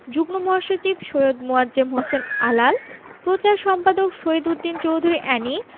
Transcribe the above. যুগ্ম মহাসচিব সৈয়দ মোয়াজ্জেম হোসেন আলাল প্রচার সম্পাদক শহীদ উদ্দিন চৌধুরী এ্যানি